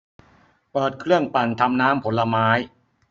เปิดเครื่องปั่นทำน้ำผลไม้